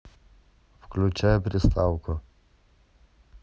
включай приставку